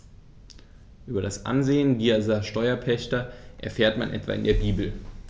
Über das Ansehen dieser Steuerpächter erfährt man etwa in der Bibel.